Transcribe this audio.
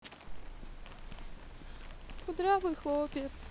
кудрявый хлопец